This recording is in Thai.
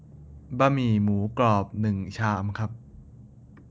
บะหมี่หมูกรอบหนึ่งชามครับ